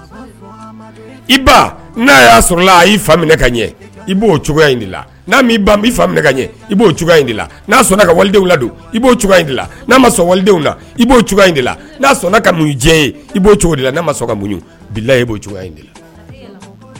I ba n' y'a sɔrɔ a ka ɲɛ i cogoya minɛ ka'o cogoyaa sɔnna ka wali la i b' ma sɔn walidenw b' cogoya in laa sɔnna ka mun ye i b' la ma sɔn kaɲ bila b'o